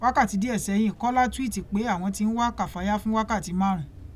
Wákàtí díẹ̀ sẹ́yìn, Kọ́lá túwíìtì pé àwọn ti ń wá Kàfáyá fún wákàtí márùn ún: